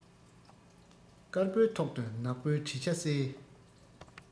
དཀར པོའི ཐོག ཏུ ནག པོའི བྲིས ཆ གསལ